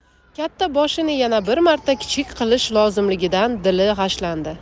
katta boshini yana bir marta kichik qilish lozimligidan dili g'ashlandi